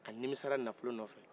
a mimisara nafolo nɔfɛ